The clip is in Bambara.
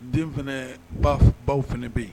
Den fana ba f baw fana bɛ yen